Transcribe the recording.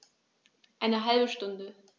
Eine halbe Stunde